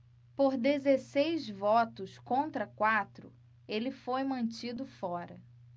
por dezesseis votos contra quatro ele foi mantido fora